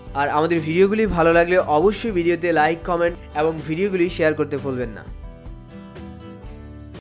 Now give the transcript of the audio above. ভিডিওগুলি ভালো লাগলে অবশ্যই ভিডিও তে লাইক কমেন্ট এবং ভিডিও গুলো শেয়ার করতে ভুলবেন না